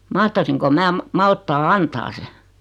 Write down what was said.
mahtaisinko minä - malttaa antaa sen